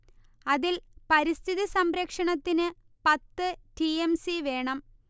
അതിൽ പരിസ്ഥിതിസംരക്ഷണത്തിന് പത്ത് ടി. എം. സി. വേണം